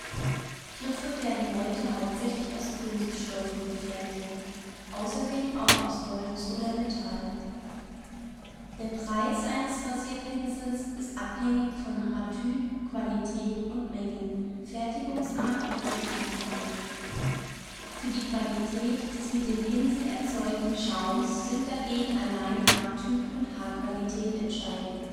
Griffe werden heute hauptsächlich aus Kunststoffen gefertigt, außerdem auch aus Holz oder Metall. Der Preis eines Rasierpinsels ist abhängig von Haartyp, - qualität und - menge, Fertigungsart und Griffmaterial. Für die Qualität des mit dem Pinsel erzeugten Schaums sind dagegen allein Haartyp und Haarqualität entscheidend